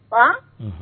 H